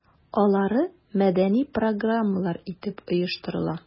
Алары мәдәни программалар итеп оештырыла.